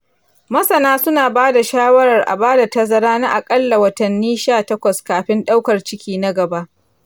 masana suna ba da shawarar a bar tazara na aƙalla watanni shatakwas kafin ɗaukar ciki na gaba.